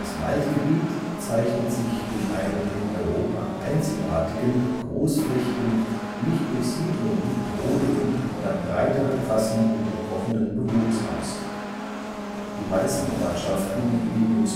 Waldgebiet zeichnet sich durch einen in Europa einzigartigen großflächigen, nicht durch Siedlungen, Rodungen oder breitere Trassen unterbrochenen Bewuchs aus. Die meisten Ortschaften liegen im